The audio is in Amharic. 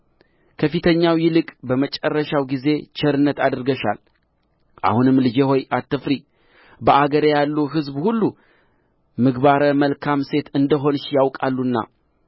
ከፊተኛው ይልቅ በመጨረሻው ጊዜ ቸርነት አድርገሻል አሁንም ልጄ ሆይ አትፍሪ በአገሬ ያሉ ሕዝብ ሁሉ ምግባረ መልካም ሴት እንደ ሆንሽ ያውቃሉና